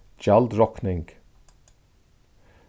gjald rokning